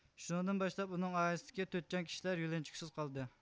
شۇنىڭدىن باشلاپ ئۇنىڭ ئائىلىسىدىكى تۆت جان كىشى يۆلەنچۈكسىز قالغان